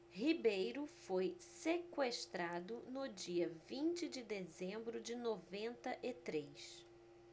ribeiro foi sequestrado no dia vinte de dezembro de noventa e três